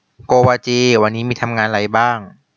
โกวาจีวันนี้มีทำงานไรบ้าง